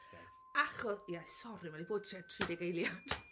Iaith... Acho... ie sori, mae hi 'di bod tua tri deg eiliad.